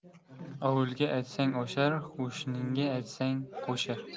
ovulga aytsang oshar qo'shniga aytsang qo'shar